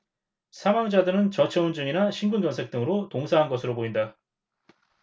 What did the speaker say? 사망자들은 저체온증이나 심근경색 등으로 동사한 것으로 보인다